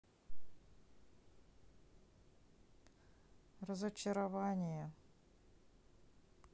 разочарование